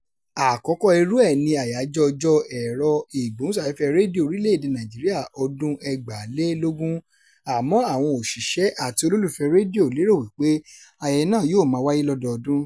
Àkọ́kọ́ irú ẹ̀ ni Àyájọ́ Ọjọ́ Ẹ̀rọ-ìgbóhùnsáfẹ́fẹ́ Rédíò Orílẹ̀-èdèe Nàìjíríà ọdún-un 2020 àmọ́ àwọn òṣìṣẹ́ àti olólùfẹ́ẹ̀ rédíò lérò wípé ayẹyẹ náà yóò máa wáyé lọ́dọọdún.